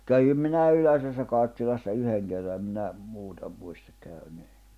kävin minä Yläsessä Karttilassa yhden kerran en minä muuta muista käyneeni